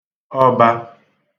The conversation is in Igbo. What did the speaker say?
ọba